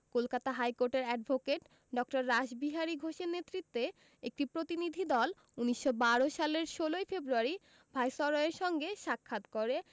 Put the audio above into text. কলকাতা হাইকোর্টের অ্যাডভোকেট ড. রাসবিহারী ঘোষের নেতৃত্বে একটি প্রতিনিধিদল ১৯১২ সালের ১৬ ফেব্রুয়ারি ভাইসরয়ের সঙ্গে সাক্ষাৎ করে